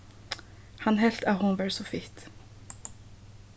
hann helt at hon var so fitt